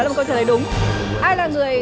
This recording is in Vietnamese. một câu trả lời đúng ai là người